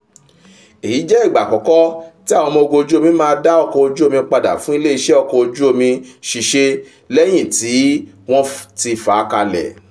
Èyí jẹ ìgbà àkọ́kọ́ tí Àwọn ọ́mọ ogun ojú omi máa dá ọkọ̀ ojú omi padà fún ilé iṣẹ́ ọkọ̀ ojú omi ṣiṣe lẹ́yìn tí wọn ti fà á kalẹ̀.